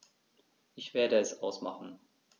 Ich werde es ausmachen